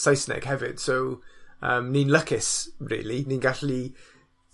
Saesneg hefyd, so yym ni'n lycus rili ni'n gallu